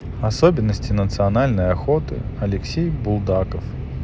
особенности национальной охоты алексей булдаков